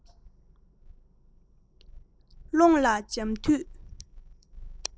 ཀློང ལ འབྱམས དུས